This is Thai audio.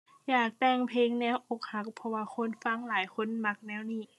อยากแต่งเพลงแนวอกหัก เพราะว่าคนฟังหลายคนมักแนวนี้